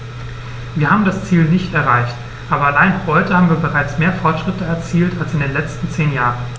Wir haben das Ziel nicht erreicht, aber allein heute haben wir bereits mehr Fortschritte erzielt als in den letzten zehn Jahren.